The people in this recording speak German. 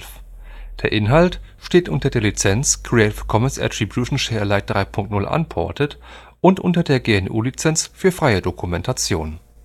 Inhalt steht unter der Lizenz Creative Commons Attribution Share Alike 3 Punkt 0 Unported und unter der GNU Lizenz für freie Dokumentation